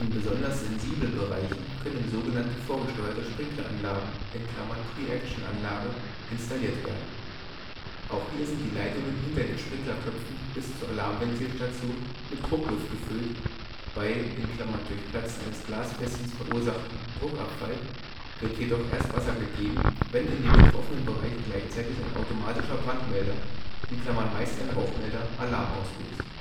besonders sensiblen Bereichen können sogenannte „ vorgesteuerte “Sprinkleranlagen („ Preactionanlage “) installiert werden. Auch hier sind die Leitungen hinter den Sprinklerköpfen bis zur Alarmventilstation mit Druckluft gefüllt, bei (durch Platzen eines Glasfässchens verursachtem) Druckabfall wird jedoch erst Wasser gegeben, wenn in dem betroffenen Bereich gleichzeitig ein automatischer Brandmelder (meist ein Rauchmelder) Alarm auslöst